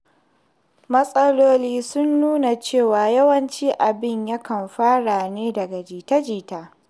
Matsalolin sun nuna cewa yawanci abin ya kan fara ne daga jita-jita.